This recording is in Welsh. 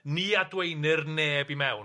Ni adweinir neb i mewn.